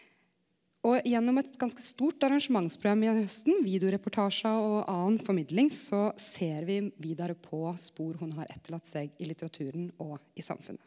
og gjennom eit ganske stort arrangementsprogram gjennom hausten videoreportasjar og anna formidling så ser vi vidare på spor ho har etterlate seg i litteraturen og i samfunnet.